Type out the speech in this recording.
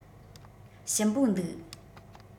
ཞིམ པོ འདུག